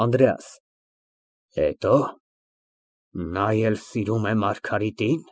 ԱՆԴՐԵԱՍ ֊ Հետո՞։ Նա էլ սիրում է Մարգարիտին։